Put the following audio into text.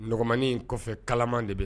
Nmaniin in kɔfɛ kalaman de bɛ